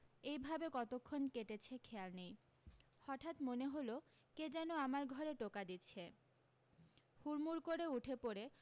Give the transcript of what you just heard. এইভাবে কতক্ষণ কেটেছে খেয়াল নেই হঠাত মনে হলো কে যেন আমার ঘরে টোকা দিচ্ছে হুড়মুড় করে উঠে পড়ে